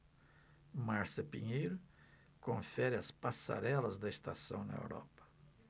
márcia pinheiro confere as passarelas da estação na europa